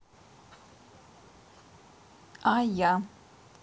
а я